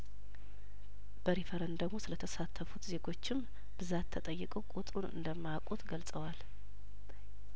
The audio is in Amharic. በሪፍረንደ ሙ ስለተሳተፉት ዜጐችም ብዛት ተጠይቀው ቁጥሩን እንደማያውቁት ገልጸዋል